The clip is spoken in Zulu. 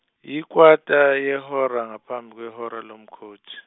yikwata yehora ngaphambi kwehora lomkhothi.